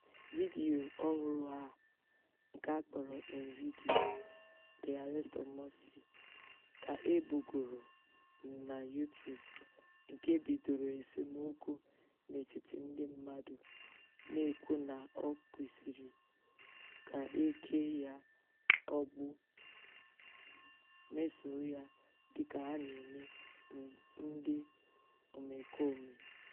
Vidiyo ọhụrụ a, nke a kpọrọ "In Video, The Arrest of Morsi", ka e bugoro na YouTube nke bidoro esemokwu n'etiti ndị mmadụ [ar] na-ekwu na "o" kwesịrị ka e kee ya ọgbụ "meso ya dịka a na-eme ndị omekome."